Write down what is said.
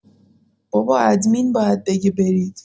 بابا ادمین باید بگه برید